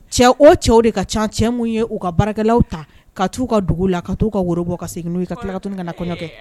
Cɛ o cɛw de ka ca cɛ min ye uu ka baarakɛlawlaw ta ka taa' u ka dugu la ka taa u ka woro bɔ ka segin n'u ka tila ka kana na kɔɲɔ kɛ